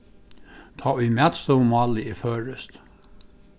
tá ið matstovumálið er føroyskt